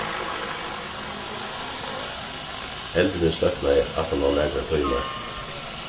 eldurin sløknaði aftan á nakrar tímar